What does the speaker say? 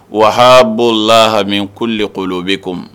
Wahabɔ lahami ko de kolɔ bɛko